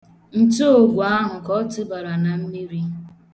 Ntuogwe ahụ ka ọ tụbara na mmiri.